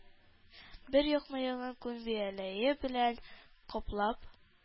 Бер як мыегын күн бияләе белән каплап,